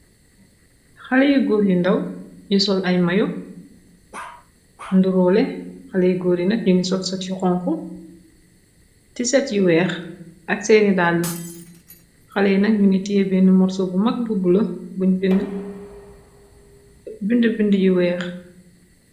Haley yu góor yu ndaw yu sol ay mayo nduróole. Haley yi góor yi nak yu ngi sol sut yu honku, tiset yu weeh ak seeni daal. haley yi nak yu ngi té benn morso bu mag bu bula bun bind-bind yu weeh.